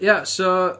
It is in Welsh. Ia, so...